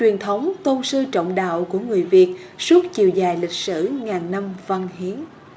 truyền thống tôn sư trọng đạo của người việt suốt chiều dài lịch sử ngàn năm văn hiến